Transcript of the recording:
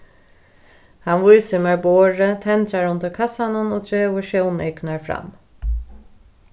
hann vísir mær borðið tendrar undir kassanum og dregur sjóneykurnar fram